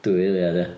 Dwy eiliad, ia.